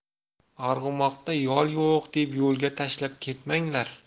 arg'umoqda yol yo'q deb yo'lga tashlab ketmanglar